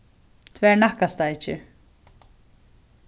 tvær nakkasteikir